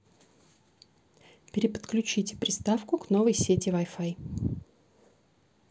переподключите приставку к новой сети wi fi